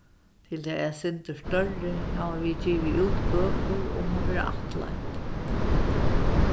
til tey eitt sindur størri hava vit givið út bøkur um at vera ættleidd